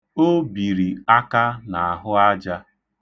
O biri aka n'ahụ aja.